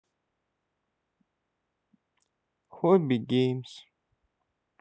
хобби геймс